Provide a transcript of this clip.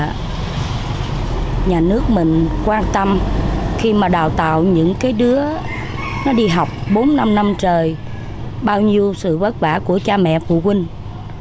là nhà nước mình quan tâm khi mà đào tạo những cái đứa nó đi học bốn năm năm trời bao nhiêu sự vất vả của cha mẹ phụ huynh